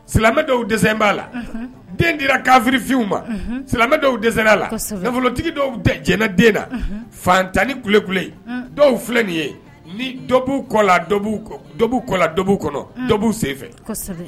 Silamɛ dɔw dɛsɛ b'a la, unhun, den dira kafirifinw ma, unhun, silamɛ dɔw dɛsɛra la, kosɛbɛ, nafolotigi dɔw jɛra den na, unhun, fantan ni kule kule, unhun, dɔw filɛ nin ye, ni dɔ b'u kɔ la dɔ b'u kɔnɔ, un, dɔ b'u sen fɛ, kosɛbɛ.